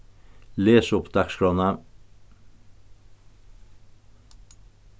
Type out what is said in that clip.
les upp dagsskránna